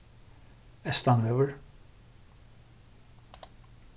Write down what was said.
eystanvegur